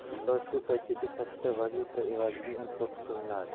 ular shu paytgacha katta valyuta evaziga import qilinardi